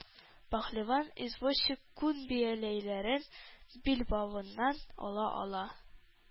Пәһлеван извозчик күн бияләйләрен билбавыннан ала-ала: